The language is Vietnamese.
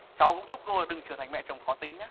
cháu cũng chúc cô là đừng trở thành mẹ chồng khó tính nhé